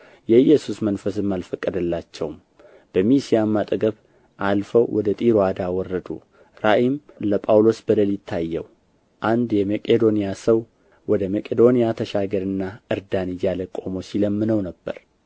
የኢየሱስ መንፈስም አልፈቀደላቸውም በሚስያም አጠገብ አልፈው ወደ ጢሮአዳ ወረዱ ራእይም ለጳውሎስ በሌሊት ታየው አንድ የመቄዶንያ ሰው ወደ መቄዶንያ ተሻገርና እርዳን እያለ ቆሞ ሲለምነው ነበር